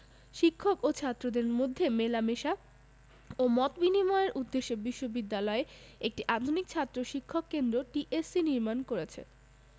শিক্ষক ও ছাত্রদের মধ্যে মেলামেশা ও মত বিনিময়ের উদ্দেশ্যে বিশ্ববিদ্যালয় একটি আধুনিক ছাত্র শিক্ষক কেন্দ্র টিএসসি নির্মাণ করেছে